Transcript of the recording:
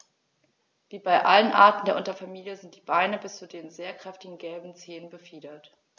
Wie bei allen Arten der Unterfamilie sind die Beine bis zu den sehr kräftigen gelben Zehen befiedert.